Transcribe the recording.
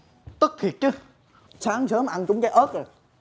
tức thiệt chứ sáng sớm ăn trúng trái ớt à